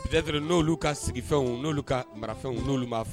Date n'olu ka sigi fɛnw n'olu ka marafɛnw n'olu b'a